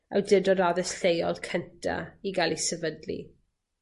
awdurdod addysg lleol cynta i ga'l 'i sefydlu.